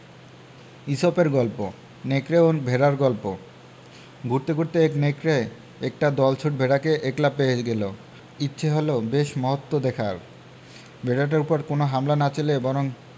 ইসপের গল্প নেকড়ে ও ভেড়ার গল্প ঘুরতে ঘুরতে এক নেকড়ে একটা দলছুট ভেড়াকে একলা পেয়ে গেল ইচ্ছে হল বেশ মহত্ব দেখার ভেড়াটার উপর কোন হামলা না চালিয়ে বরং